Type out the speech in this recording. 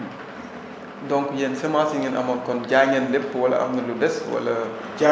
donc yéen semence yi ngeen amoon kon jaay ngeen lépp wala am na lu des wala